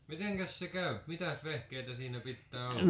mitenkäs se käy mitäs vehkeitä siinä pitää olla